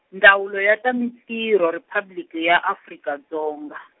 Ndzawulo ya ta Mintirho Riphabliki ya Afrika Dzonga.